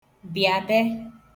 bị̀abe